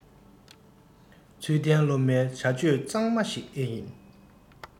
ཚུལ ལྡན སློབ མའི བྱ སྤྱོད གཙང མ ཞིག ཨེ ཡིན